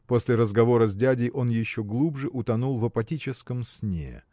После разговора с дядей он еще глубже утонул в апатическом сне